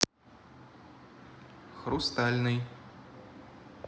хрустальный